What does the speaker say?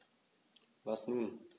Was nun?